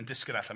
yn disgyn allan.